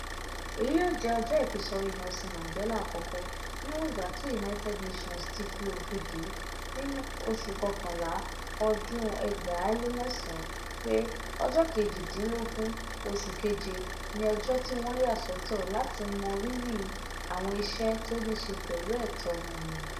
Èyí yòó jẹ́ ọjọ́ ìfisọrí Nelson Mandela àkọ́kọ́, níwọ̀n ìgbà tí United Nations ti fi ofìn dèé ní November 2009 pé July 18 ni ọjọ́ tí wọ́n ya sọ́tọ̀ láti mọ rírì àwọn iṣẹ́ tó níi ṣe pẹ̀lú ẹ̀tọ́ ọmọniyàn.